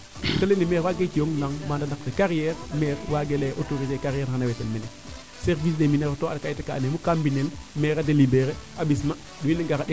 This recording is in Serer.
te leyee maire wagirang o ci a naq tel carriere waaga leye autoriser carriere xana wetel mene service des mines o at a kayta ka ando naye ka mbinel maire ae deliberer a ɓisma wiin we ngara ndeet